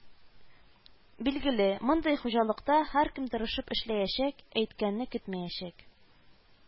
Билгеле, мондый хуҗалыкта һәркем тырышып эшләячәк, әйткәнне көтмәячәк